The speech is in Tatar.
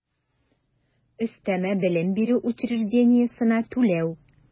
Өстәмә белем бирү учреждениесенә түләү